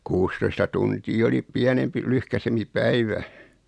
kuusitoista tuntia oli pienempi lyhkäisempi päivä